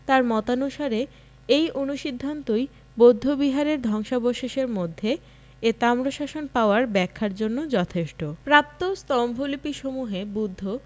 তাঁর মতানুসারে এই অনুসিদ্ধান্তই বৌদ্ধ বিহারের ধ্বংসাবশেষের মধ্যে এ তাম্রশাসন পাওয়ার ব্যাখ্যার জন্য যথেষ্ট প্রাপ্ত স্তম্ভলিপিসমূহে বুদ্ধ